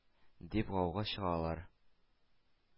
Дип гауга чыгаралар.